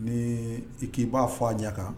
Ni i k'i b'a fɔ a ɲɛ kan